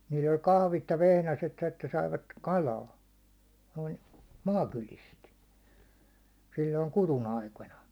niillä oli kahvit ja vehnäset että saivat kalaa noin maakylistä silloin kudun aikoina